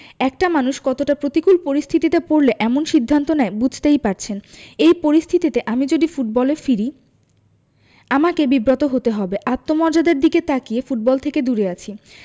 একটা মানুষ কতটা প্রতিকূল পরিস্থিতিতে পড়লে এমন সিদ্ধান্ত নেয় বুঝতেই পারছেন এই পরিস্থিতিতে আমি যদি ফুটবলে ফিরি আমাকে বিব্রত হতে হবে আত্মমর্যাদার দিকে তাকিয়ে ফুটবল থেকে দূরে আছি